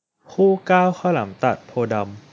คู่เก้าข้าวหลามตัดโพธิ์ดำ